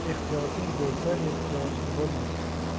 ehtiyoting bo'lsa ehtiyojing bo'lmas